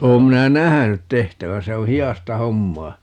olen minä nähnyt tehtävän se on hidasta hommaa